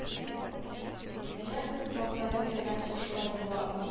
Менә күп мактанып йөрәсең шулай була ул